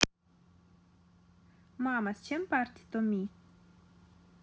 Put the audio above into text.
мама с чем party to me